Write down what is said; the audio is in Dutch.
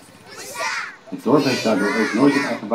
dorp heeft daardoor ook nooit een eigen